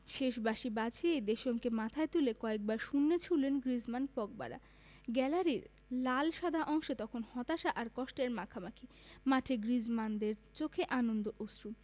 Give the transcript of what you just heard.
শেষ বাঁশি বাজতেই দেশমকে মাথায় তুলে কয়েকবার শূন্যে ছুড়লেন গ্রিজমান পগবারা গ্যালারির লাল সাদা অংশে তখন হতাশা আর কষ্টের মাখামাখি মাঠে গ্রিজমানদের চোখে আনন্দ অশ্রু